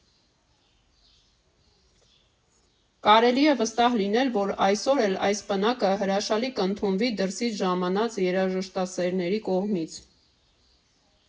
Կարելի է վստահ լինել, որ այսօր էլ այս պնակը հրաշալի կընդունվի դրսից ժամանած երաժշտասերների կողմից։